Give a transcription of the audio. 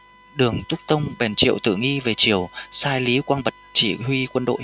đường túc tông bèn triệu tử nghi về triều sai lý quang bật chỉ huy quân đội